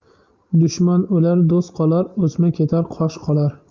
dushman o'lar do'st qolar o'sma ketar qosh qolar